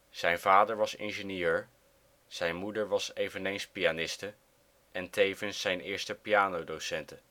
Zijn vader was ingenieur, zijn moeder was eveneens pianiste, en tevens zijn eerste pianodocente